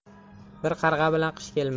bir qarg'a bilan qish kelmas